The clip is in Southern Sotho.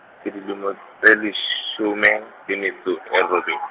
ke dilemo, tse leshome, le metso e robedi.